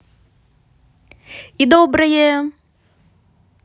и доброе